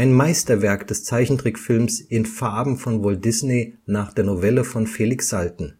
Meisterwerk des Zeichentrickfilms in Farben von Walt Disney nach der Novelle von Felix Salten